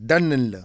dal nañ la